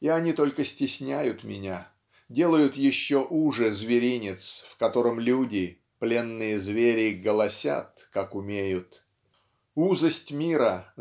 и они только стесняют меня делают еще уже зверинец в котором люди пленные звери голосят как умеют. Узость мира